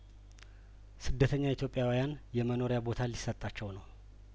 ስደተኛ ኢትዮጵያውያን የመኖሪያቦታ ሊሰጣቸው ነው